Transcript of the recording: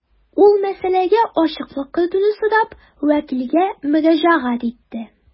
Ул мәсьәләгә ачыклык кертүне сорап вәкилгә мөрәҗәгать итте.